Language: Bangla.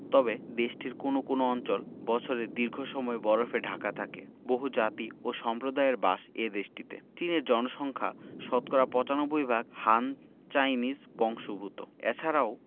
তবে দেশটির কোনো কোনো অঞ্চল বছরের দীর্ঘ সময় বরফে ঢাকা থাকে বহুজাতি ও সম্প্রদায়ের বাস এ দেশটিতে চীনের জনসংখ্যা শতকরা ৯৫ ভাগ হান চাইনিজ বংশোদূত এছারাও